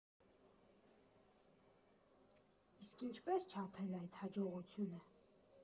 Իսկ ինչպե՞ս չափել այդ հաջողությունը։